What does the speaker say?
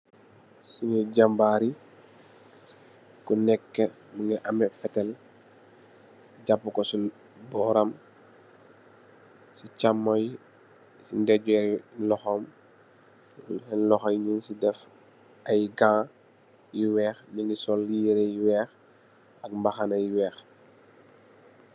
Suñu jambarr yi kunek mungi ameh fetal japuko si boram si chamoy si ndayjorr loxom ñungsi deff ayy ka yu wekh ñungi sol yireh yu wekh ak mbaxana yu wekh.